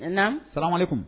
N na farali kun